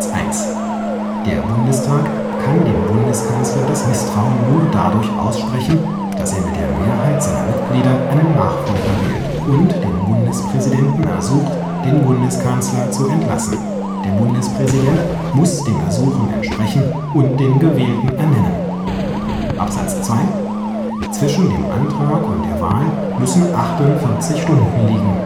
1) Der Bundestag kann dem Bundeskanzler das Mißtrauen nur dadurch aussprechen, daß er mit der Mehrheit seiner Mitglieder einen Nachfolger wählt und den Bundespräsidenten ersucht, den Bundeskanzler zu entlassen. Der Bundespräsident muß dem Ersuchen entsprechen und den Gewählten ernennen. (2) Zwischen dem Antrage und der Wahl müssen achtundvierzig Stunden liegen